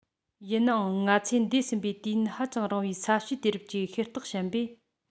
ཡིན ནའང ང ཚོས འདས ཟིན པའི དུས ཡུན ཧ ཅང རིང བའི ས གཤིས དུས རབས ཀྱི ཤེས རྟོགས ཞན པས